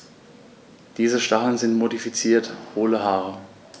Diese Stacheln sind modifizierte, hohle Haare.